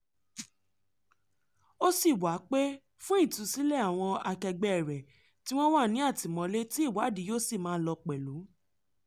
Ó sì wá pè fún ìtúsílẹ̀ àwọn akẹgbẹ́ rẹ̀ tí wọ́n wà ní àtìmọ́lé tí ìwádìí yóò sì máa lọ pẹ̀lú.